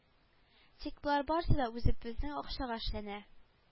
Тик болар барысы да үзебезнең акчага эшләнә